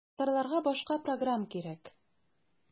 Татарларга башка программ кирәк.